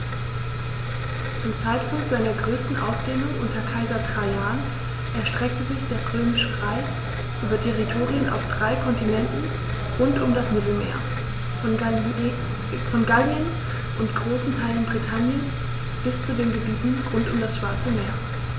Zum Zeitpunkt seiner größten Ausdehnung unter Kaiser Trajan erstreckte sich das Römische Reich über Territorien auf drei Kontinenten rund um das Mittelmeer: Von Gallien und großen Teilen Britanniens bis zu den Gebieten rund um das Schwarze Meer.